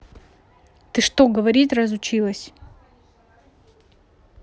ты что говорить разучилась